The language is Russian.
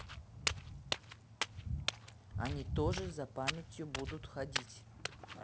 они тоже за памятью будут ходить